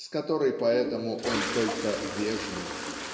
с которой поэтому он только "вежлив"